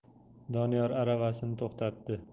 doniyor aravasini to'xtatdi